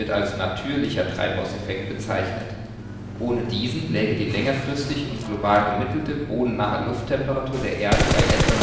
als natürlicher Treibhauseffekt bezeichnet. Ohne diesen läge die längerfristig und global gemittelte bodennahe Lufttemperatur der Erde bei etwa